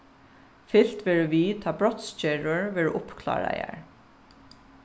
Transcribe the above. fylgt verður við tá brotsgerðir verða uppkláraðar